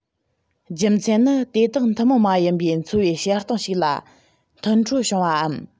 རྒྱུ མཚན ནི དེ དག ཐུན མོང མ ཡིན པའི འཚོ བའི བྱེད སྟངས ཤིག ལ མཐུན འཕྲོད བྱུང བའམ